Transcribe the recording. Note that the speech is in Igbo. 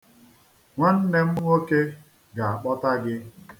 Nwanne m nwoke ga-akpọta gị.